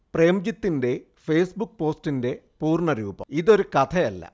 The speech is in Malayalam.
പ്രേംജിത്തിന്റെ ഫേസ്ബുക്ക് പോസ്റ്റിന്റെ പൂർണ്ണരൂപം, ഇതൊരു കഥയല്ല